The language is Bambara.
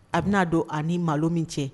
A bɛna'a don a ni malo min cɛ